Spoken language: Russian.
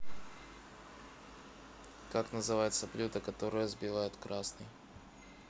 как называется блюдо которое сбивают красный